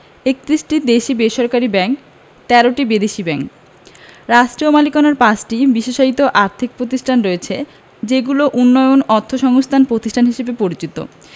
৩১টি দেশী বেসরকারি ব্যাংক ১৩টি বিদেশী ব্যাংক রাষ্ট্রীয় মালিকানার ৫টি বিশেষায়িত আর্থিক প্রতিষ্ঠান রয়েছে যেগুলো উন্নয়ন অর্থসংস্থান প্রতিষ্ঠান হিসেবে পরিচিত